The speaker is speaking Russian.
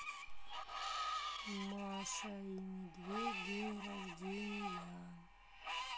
маша и медведь день рождения